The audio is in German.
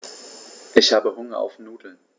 Ich habe Hunger auf Nudeln.